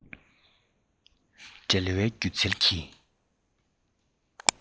འབྲེལ བའི སྒྱུ རྩལ གྱི